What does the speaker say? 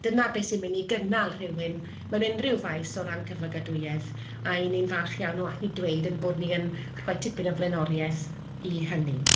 Dyna be sy'n mynd i gynnal rhywun mewn unrhyw faes o ran cyflogadwyedd. A 'y'n ni'n falch iawn o allu dweud ein bod ni yn rhoi tipyn o flaenoriaeth i hynny.